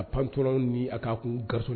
A pan dɔrɔnw ni a' kun gaso